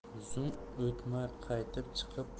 zum o'tmay qaytib chiqib